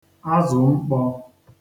azụ mkpọ